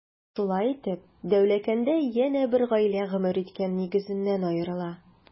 Шулай итеп, Дәүләкәндә янә бер гаилә гомер иткән нигезеннән аерыла.